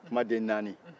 kanɲɛ naani